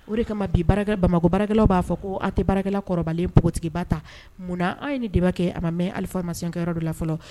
O de kama bi baara bamakɔ barakɛlaw b'a fɔ ko aw tɛ baarakɛla kɔrɔbalen npogotigiba ta munna an ye ni deba kɛ a ma mɛn alifa masikɛyɔrɔ don la fɔlɔ